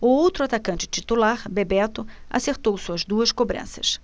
o outro atacante titular bebeto acertou suas duas cobranças